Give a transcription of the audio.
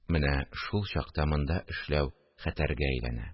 Менә шул чакта монда эшләү хәтәргә әйләнә